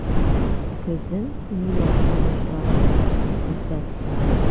Көзен миләш агачлары утырту күздә тотыла.